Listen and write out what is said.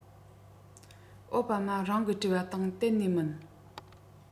ཨའོ པ མ རང གིས བྲིས པ དང གཏན ནས མིན